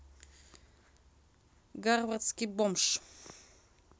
гарвардский бомж